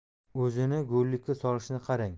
o'zini go'llikka solishini qarang